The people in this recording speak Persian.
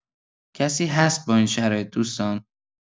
کسی هست با این شرایط دوستان؟